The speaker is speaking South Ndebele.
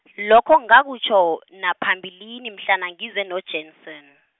lokho ngakutjho, naphambilini mhlana ngize noJanson.